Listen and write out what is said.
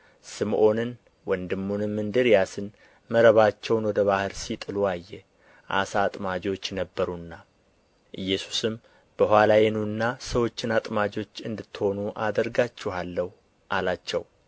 ስምዖንን ወንድሙንም እንድርያስን መረባቸውን ወደ ባሕር ሲጥሉ አየ ዓሣ አጥማጆች ነበሩና ኢየሱስም በኋላዬ ኑና ሰዎችን አጥማጆች እንድትሆኑ አደርጋችኋለሁ አላቸው